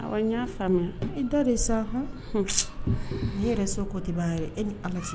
N y'a faamuya i da de sa hɔn h n e yɛrɛ so kɔ tɛba e ni ala